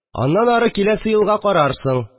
Аннан ары киләсе елга карарсың